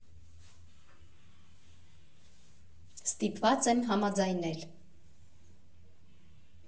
Ստիպված եմ համաձայնել։